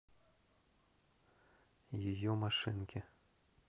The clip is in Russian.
ее машинки